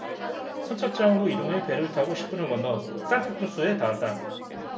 선착장으로 이동해 배를 타고 십 분을 건너 산타크루스에 닿았다